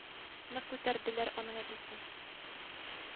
Нык күтәрделәр аның әтисен